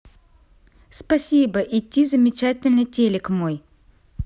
спасибо идти замечательный телек мой